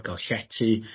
...i ga'l llety